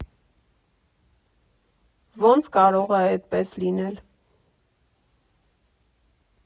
Ո՞նց կարող ա էդպես լինել։